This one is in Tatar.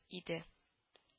Иде